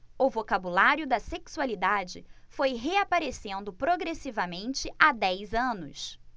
o vocabulário da sexualidade foi reaparecendo progressivamente há dez anos